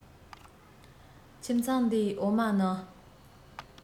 ཁྱིམ ཚང འདིའི འོ མ ནི